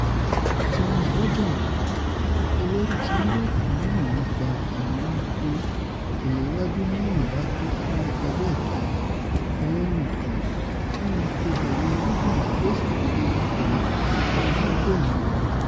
Thomas Bjorn, olórí tí yúrópù, mọ̀ nípa ìrírí pé ìléwájú níwọ́nba tó súnmọ́ ọjọ̀ ìkẹhìn ẹlẹ́nìkan fún Ìfe ẹ̀yẹ Ryder le ṣàdédé yí padà sí ohun tí kò ní rọrùn.